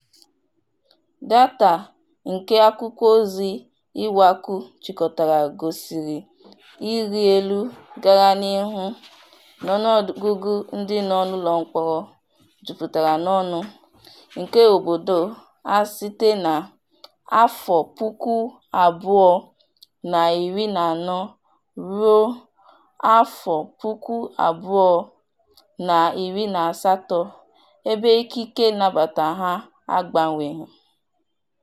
Data nke akwụkwọozi Iwacu chịkọtara gosịrị ịrị elu gara n'ihu n'ọnụọgụgụ ndị nọ n'ụlọmkpọrọ jupụtara n'ọnụ nke obodo a site na 2014 ruo 2018, ebe ikike nnabata ha agbanweghị.